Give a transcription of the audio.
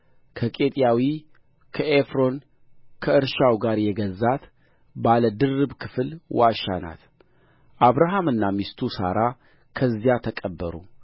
ከኬጢያዊ ከኤፍሮን ከእርሻው ጋር የገዛት ባለ ድርብ ክፍል ዋሻ ናት አብርሃምና ሚስቱ ሣራ ከዚያ ተቀበሩ